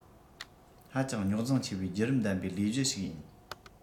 ཧ ཅང རྙོག འཛིང ཆེ བའི རྒྱུད རིམ ལྡན པའི ལས གཞི ཞིག ཡིན